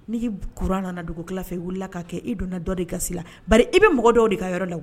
N'i'i kuran nana dugu tila fɛ wulila k kaa kɛ i donna dɔ de ka la ba i bɛ mɔgɔ dɔw de ka yɔrɔ la wa